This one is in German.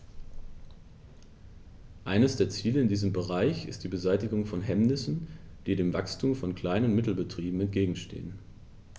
Eines der Ziele in diesem Bereich ist die Beseitigung von Hemmnissen, die dem Wachstum von Klein- und Mittelbetrieben entgegenstehen.